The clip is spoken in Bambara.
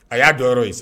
A y'a dɔn yɔrɔ ye sa